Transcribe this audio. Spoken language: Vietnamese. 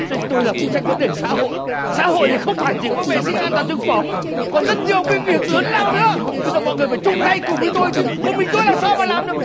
đây tôi là phụ trách vấn đề xã hội xã hội thì không chỉ có vệ sinh an toàn thực phẩm còn rất nhiều cái việc lớn lao nữa bây giờ mọi người phải chung tay cùng với tôi chứ một mình tôi làm sao mà làm được